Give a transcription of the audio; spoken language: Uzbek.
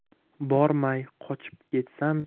bormay qochib ketsam